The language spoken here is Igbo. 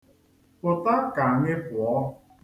Pụta ka anyị pụọ!